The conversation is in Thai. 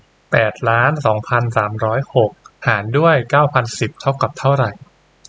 แปดล้านสองพันสามร้อยหกหารด้วยเก้าพันสิบเท่ากับเท่าไร